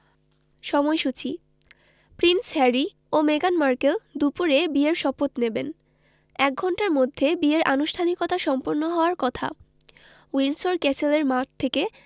সময়সূচি prince Harry ও মেগান মার্কেল দুপুরে বিয়ের শপথ নেবেন এক ঘণ্টার মধ্যে বিয়ের আনুষ্ঠানিকতা সম্পন্ন হওয়ার কথা উইন্ডসর ক্যাসেলের মাঠ থেকে